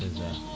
c' est ca